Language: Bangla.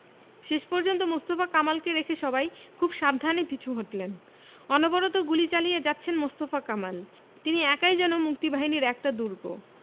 শেষ পর্যন্ত মোস্তফা কামালকে রেখে সবাই খুব সাবধানে পিছু হটলেন অনবরত গুলি চালিয়ে যাচ্ছেন মোস্তফা কামাল তিনি একাই যেন মুক্তিবাহিনীর একটা দুর্গ